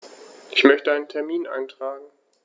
Ich möchte einen Termin eintragen.